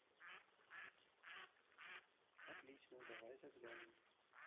отлично давай заглянем